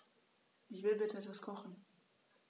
Ich will bitte etwas kochen.